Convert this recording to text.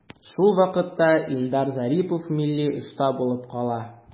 Шул ук вакытта Илдар Зарипов милли оста булып кала.